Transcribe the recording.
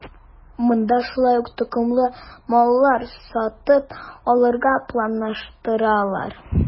Монда шулай ук токымлы маллар сатып алырга да планлаштыралар.